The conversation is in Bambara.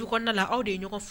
Du na aw de ye ɲɔgɔn fɛ